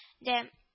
Дә